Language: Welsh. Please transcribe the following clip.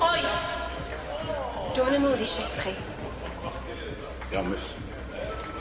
Oi. Dw yn y mood i shit chi. Iawn miss.